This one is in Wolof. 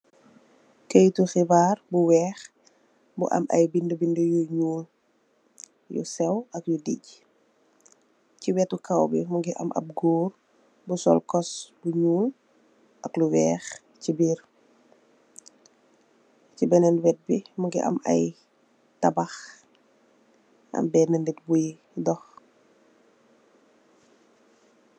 Kayitu xibaar bu weex, bu am ay binda binda yu ñul, yu sew ak yu dijj. Ći wetu kawbi mungi am ab góor bu sol kos bu ñul ak lu weex ci biir. Ci benn wetbi mungi am ay tabax. Am bena nit buy doox.